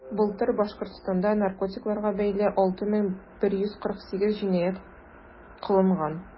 Былтыр Башкортстанда наркотикларга бәйле 6148 җинаять кылынган.